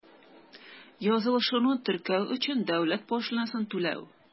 Язылышуны теркәү өчен дәүләт пошлинасын түләү.